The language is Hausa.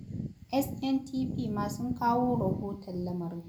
SNTP ma sun kawo rahoton lamarin: